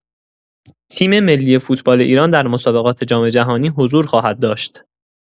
تیم‌ملی فوتبال ایران در مسابقات جام‌جهانی حضور خواهد داشت.